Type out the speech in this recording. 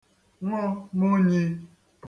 ṅụ mənyī